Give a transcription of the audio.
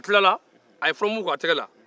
a ye furamugu kɛ a tɛgɛ la